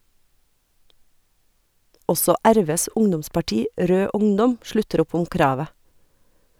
Også RVs ungdomsparti, Rød Ungdom, slutter opp om kravet.